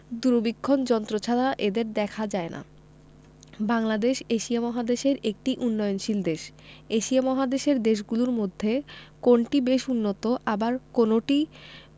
দূরবীক্ষণ ছাড়া এদের দেখা যায় না বাংলাদেশ এশিয়া মহাদেশের একটি উন্নয়নশীল দেশ এশিয়া মহাদেশের দেশগুলোর মধ্যে কোনটি বেশ উন্নত আবার কোনো কোনোটি